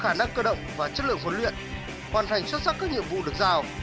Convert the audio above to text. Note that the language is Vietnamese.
khả năng cơ động và chất lượng huấn luyện hoàn thành xuất sắc các nhiệm vụ được giao